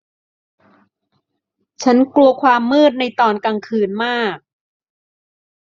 ฉันกลัวความมืดในตอนกลางคืนมาก